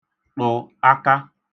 ṭụ̀ aka